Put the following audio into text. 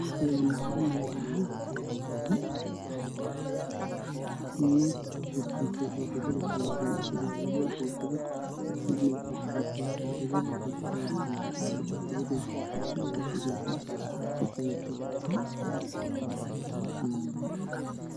Waa laami waxaa xaqaayo maamooyin waxay ku xaqayaan iskoobo dharka ay qabaan waa cabaayado qaxwi caddaysi guduud madow